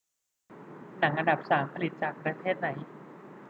หนังอันดับสามผลิตจากประเทศไหน